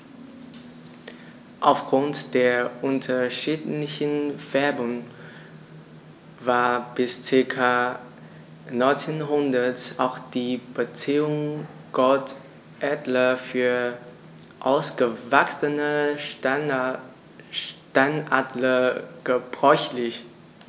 Auf Grund der unterschiedlichen Färbung war bis ca. 1900 auch die Bezeichnung Goldadler für ausgewachsene Steinadler gebräuchlich.